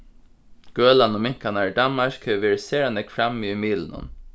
gølan um minkarnar í danmark hevur verið sera nógv frammi í miðlunum